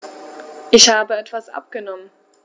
Ich habe etwas abgenommen.